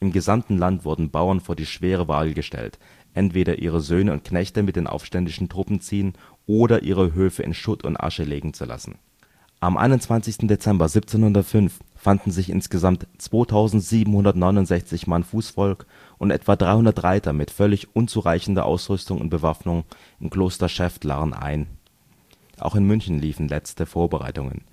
gesamten Land wurden Bauern vor die schwere Wahl gestellt, entweder ihre Söhne und Knechte mit den aufständischen Truppen ziehen oder ihre Höfe in Schutt und Asche legen zu lassen. Kloster Schäftlarn auf einem Stich aus dem Jahre 1687 Am 21. Dezember 1705 fanden sich insgesamt 2.769 Mann Fußvolk und etwa 300 Reiter mit völlig unzureichender Ausrüstung und Bewaffnung im Kloster Schäftlarn ein. Auch in München liefen letzte Vorbereitungen